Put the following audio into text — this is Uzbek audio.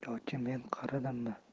yoki men qaridimmi